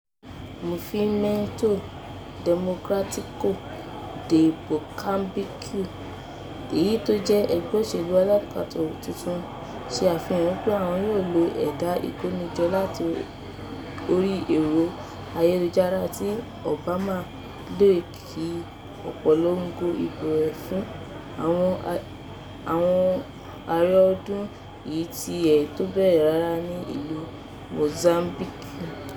Movimento Democrático de Moçambique (Democratic Movement of Mozambique, or MDM) èyí tó jẹ́ ẹgbẹ́ òṣèlú alátakò tuntun ṣe ìfihàn wipe àwọn yóò lo ẹ̀da ìkónijọ láti orí ẹ̀rọ ayélujára tí “Obama” lò kí ìpolongo ìbò fún ipò Aàre ọ́dún yìí tiẹ̀ tó bẹ̀rẹ̀ rárá ní ìlu Mozambique